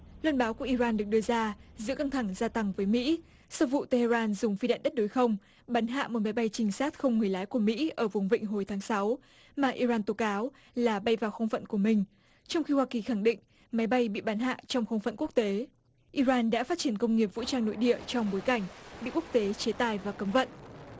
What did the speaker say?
loan báo của i ran được đưa ra giữa căng thẳng gia tăng với mỹ sau vụ tê hê ran dùng phi đạn đất đối không bắn hạ một máy bay trinh sát không người lái của mỹ ở vùng vịnh hồi tháng sáu mà i ran tố cáo là bay vào không phận của mình trong khi hoa kỳ khẳng định máy bay bị bắn hạ trong không phận quốc tế i ran đã phát triển công nghiệp vũ trang nội địa trong bối cảnh bị quốc tế chế tài và cấm vận